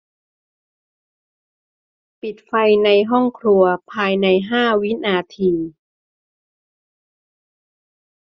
ปิดไฟในห้องครัวภายในห้าวินาที